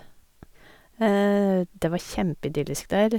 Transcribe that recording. Det var kjempeidyllisk der.